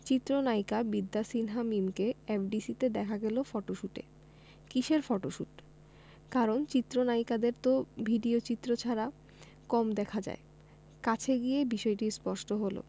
চিত্রনায়িকা বিদ্যা সিনহা মিমকে এফডিসিতে দেখা গেল ফটোশুটে কিসের ফটোশুট কারণ চিত্রনায়িকাদের তো ভিডিওচিত্রে ছাড়া কম দেখা যায় কাছে গিয়ে বিষয়টি স্পষ্ট হলো